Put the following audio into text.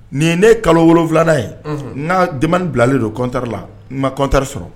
Nin ye ne kalo wolo wolonwula ye n ka jamana bilalen donɔntari la n ma kɔntari sɔrɔ